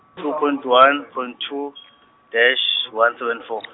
two point one, point two, dash one seven four.